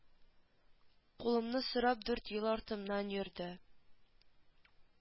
Кулымны сорап дүрт ел артымнан йөрде